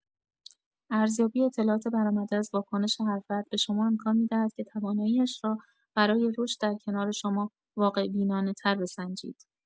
ارزیابی اطلاعات برآمده از واکنش هر فرد به شما امکان می‌دهد که توانایی‌اش را برای رشد در کنار شما واقع‌بینانه‌تر بسنجید.